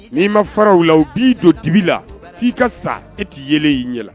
I. N'i ma fara u la, u b'i don dibi la, fo k'i sa i tɛ yelen y'i ɲɛ la.